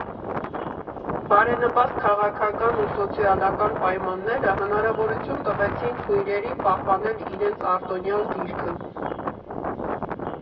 Բարենպաստ քաղաքական ու սոցիալական պայմանները հնարավորություն տվեցին քույրերին պահպանել իրենց արտոնյալ դիրքը։